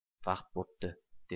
vaqt bo'pti